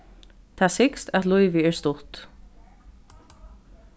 tað sigst at lívið er stutt